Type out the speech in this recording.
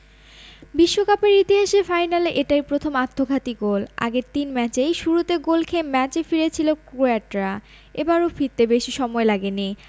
বিশ্বকাপের ইতিহাসে ফাইনালে এটাই প্রথম আত্মঘাতী গোল আগের তিন ম্যাচেই শুরুতে গোল খেয়ে ম্যাচে ফিরেছিল ক্রোয়াটরা এবারও ফিরতে বেশি সময় লাগেনি